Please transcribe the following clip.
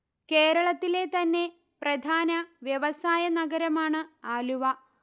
കേരളത്തിലെ തന്നെ പ്രധാന വ്യവസായ നഗരമാണ് ആലുവ